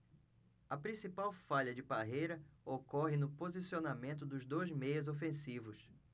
a principal falha de parreira ocorre no posicionamento dos dois meias ofensivos